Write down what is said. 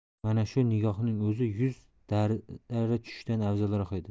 mana shu nigohning o'zi yuz darra tushirishdan afzalroq edi